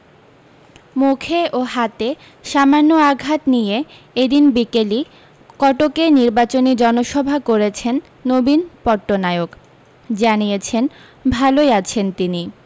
মুখে ও হাতে সামান্য আঘাত নিয়ে এ দিন বিকেলই কটকে নির্বাচনী জনসভা করেছেন নবীন পট্টনায়ক জানিয়েছেন ভালই আছেন তিনি